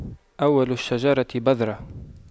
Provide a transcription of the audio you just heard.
أول الشجرة بذرة